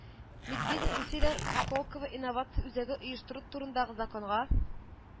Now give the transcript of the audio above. Медведев Русиядә Сколково инновация үзәге оештыру турындагы законга